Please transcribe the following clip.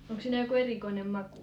onko siinä joku erikoinen maku